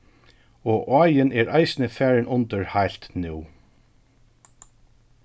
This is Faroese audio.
og áin er eisini farin undir heilt nú